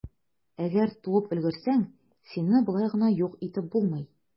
Әгәр туып өлгерсәң, сине болай гына юк итеп булмый.